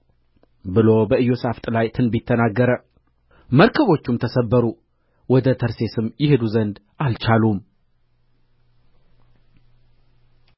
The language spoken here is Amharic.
ብሎ በኢዮሣፍጥ ላይ ትንቢት ተናገረ መርከቦቹም ተሰበሩ ወደ ተርሴስም ይሄዱ ዘንድ አልቻሉም